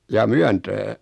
jaa Myöntää